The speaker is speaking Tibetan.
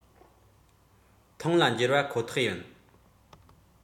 ཐང ལ བསྒྱེལ བ ཁོ ཐག ཡིན